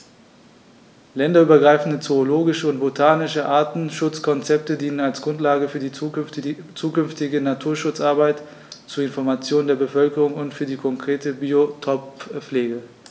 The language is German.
Länderübergreifende zoologische und botanische Artenschutzkonzepte dienen als Grundlage für die zukünftige Naturschutzarbeit, zur Information der Bevölkerung und für die konkrete Biotoppflege.